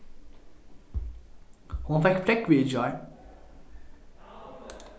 hon fekk prógvið í gjár